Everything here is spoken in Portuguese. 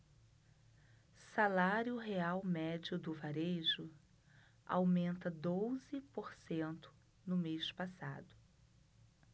salário real médio do varejo aumenta doze por cento no mês passado